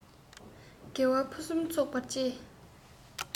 དགེ བ ཕུན སུམ ཚོགས པར སྤྱད